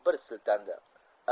u bir siltandi